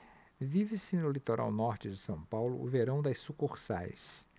vive-se no litoral norte de são paulo o verão das sucursais